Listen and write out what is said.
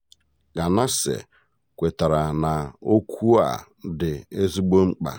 Ganase kwetara na okwu a dị ezigbo mkpa.